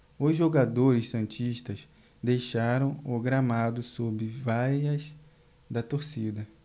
os jogadores santistas deixaram o gramado sob vaias da torcida